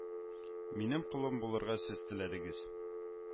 Минем колым булырга сез теләдегез